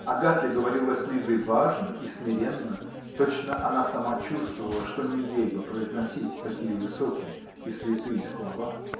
Агафья говорила с Лизой важно и смиренно, точно она сама чувствовала, что не ей бы произносить такие высокие и святые слова.